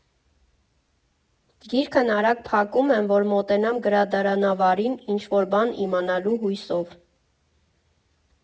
Գիրքն արագ փակում եմ, որ մոտենամ գրադարանավարին՝ ինչ֊որ բան իմանալու հույսով։